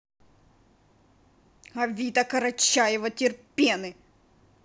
авита карачаево терпены